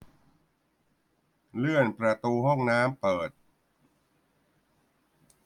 เลื่อนประตูห้องน้ำเปิด